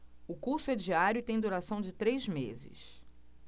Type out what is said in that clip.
o curso é diário e tem duração de três meses